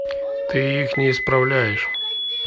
ты их не исправляешь